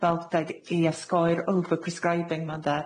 fel dwi'n deud, i osgoi'r over prescribing 'ma, ynde?